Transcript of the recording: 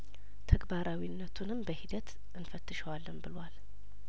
ተግባራዊ ነቱንም በሂደት እንፈትሸዋለን ብሏል